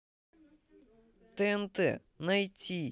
тнт найти